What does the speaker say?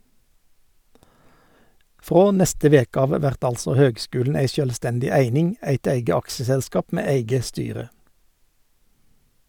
Frå neste veke av vert altså høgskulen ei sjølvstendig eining, eit eige aksjeselskap med eige styre.